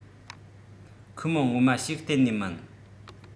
ཁོའི མིང ངོ མ ཞིག གཏན ནས མིན